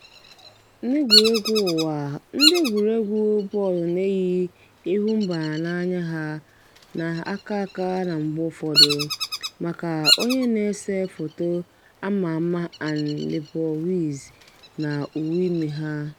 N'egwuregwu ụwa, ndị egwuregwu bọọlụ na-eyi ịhụ mba n'anya ha na aka aka na mgbe ụfọdụ, maka onye na-ese foto ama ama Annie Leibowitz, na uwe ime ha.